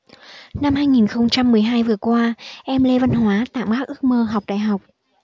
năm hai nghìn không trăm mười hai vừa qua em lê văn hóa tạm gác ước mơ học đại học